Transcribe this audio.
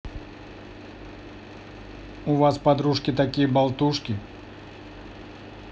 у вас подружки такие болтушки